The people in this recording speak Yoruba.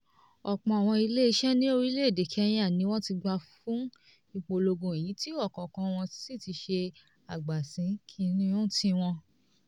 Ọ̀pọ̀ àwọn ilé-iṣẹ́ ní orílẹ̀-èdè Kenya ni wọ́n ti gbà fún ìpolongo yìí tí ọ̀kọ̀ọ̀kan wọ́n sì ti ṣe "àgbàsìn" kìnìún tiwọn.